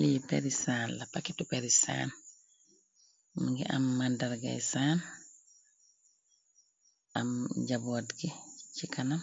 Lii perissaan la paketu perissaan mi ngi am màndargay saan am jaboot gi ci kanam